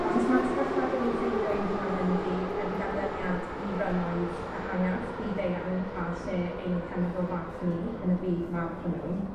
Achos ma'r sefyllfa 'dyn ni'n ffeindio ein hunain ynddi yn ganlyniad i rymoedd ehangach byd-eang a lle ein cenedl fach ni yn y byd mawr hwnnw.